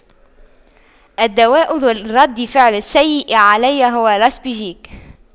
الدواء ذو الرد فعل السيء علي هو الاسبيجيك